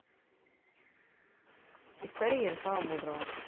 история ярослава мудрого